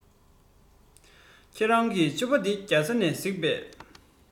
ཁྱེད རང གི ཕྱུ པ དེ རྒྱ ཚ ནས གཟིགས པས